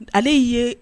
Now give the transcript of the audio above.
Ale ye